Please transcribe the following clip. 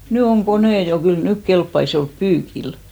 nyt on koneet jo kyllä nyt kelpaisi jo olla pyykillä